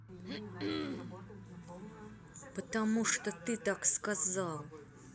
потому что ты так сказал